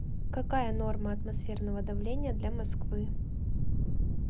какая норма атмосферного давления для москвы